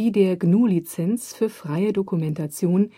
GNU Lizenz für freie Dokumentation